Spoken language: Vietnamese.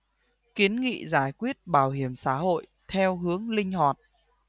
kiến nghị giải quyết bảo hiểm xã hội theo hướng linh hoạt